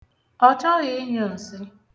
Ọ chọghị ịnyụ nsị.